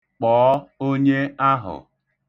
Kpọọ onye ahụ.